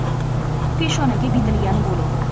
peshonaga bitilgani bo'lur